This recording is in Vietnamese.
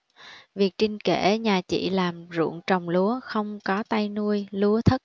việt trinh kể nhà chị làm ruộng trồng lúa không có tay nuôi lúa thất